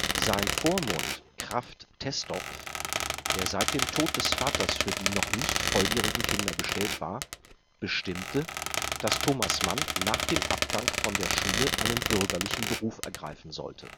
Sein Vormund Krafft Tesdorpf, der seit dem Tod des Vaters für die noch nicht volljährigen Kinder bestellt war, bestimmte, dass Thomas Mann nach dem Abgang von der Schule einen bürgerlichen Beruf ergreifen sollte